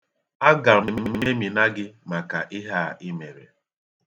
Aga m ememina gị maka ihe a i mere.